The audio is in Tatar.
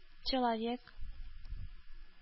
Человек